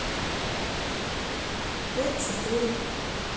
пять четыре